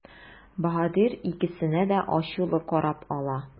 Баһадир икесенә дә ачулы карап ала.